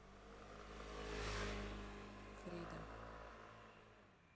фрида